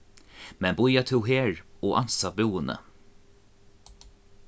men bíða tú her og ansa búðini